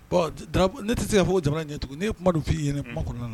Ne tɛ se ka fɔ o jara ɲɛ tugun n' tun kuma don f'i ye kuma kɔnɔna na